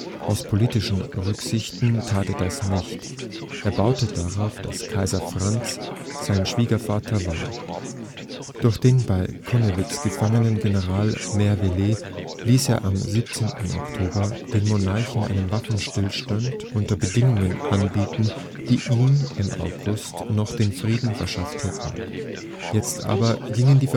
Aus politischen Rücksichten tat er es nicht; er baute darauf, dass Kaiser Franz sein Schwiegervater war. Durch den bei Connewitz gefangenen General Merveldt ließ er am 17. Oktober den Monarchen einen Waffenstillstand unter Bedingungen anbieten, die ihm im August noch den Frieden verschafft hätten. Jetzt aber gingen die